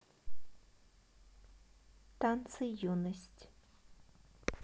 танцы юность